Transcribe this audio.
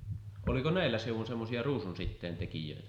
oliko näillä seudun semmoisia ruusunsiteen tekijöitä